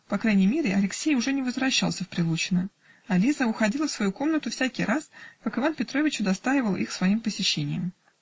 по крайней мере Алексей уже не возвращался в Прилучино, а Лиза уходила в свою комнату всякий раз, как Иван Петрович удостоивал их своим посещением.